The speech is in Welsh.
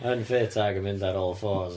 Unfit ac yn mynd ar all fours!